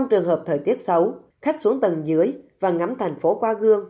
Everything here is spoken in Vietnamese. trường hợp thời tiết xấu khách xuống tầng dưới và ngắm thành phố qua gương